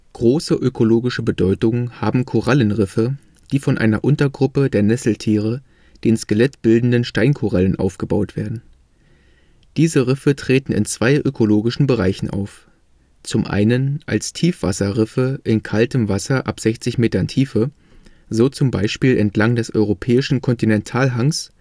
Große ökologische Bedeutung haben Korallenriffe die von einer Untergruppe der Nesseltiere, den skelettbildenden Steinkorallen aufgebaut werden. Diese Riffe treten in zwei ökologischen Bereichen auf: Zum einen als Tiefwasserriffe in kaltem Wasser ab 60 Metern Tiefe, so zum Beispiel entlang des europäischen Kontinentalhangs